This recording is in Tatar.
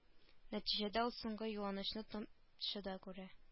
Нәтиҗәдә ул соңгы юанычны томчыда күрә